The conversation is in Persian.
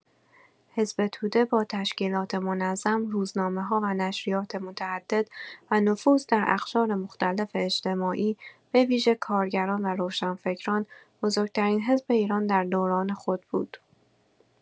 حزب توده با تشکیلات منظم، روزنامه‌ها و نشریات متعدد، و نفوذ در اقشار مختلف اجتماعی به‌ویژه کارگران و روشنفکران، بزرگ‌ترین حزب ایران در دوران خود بود.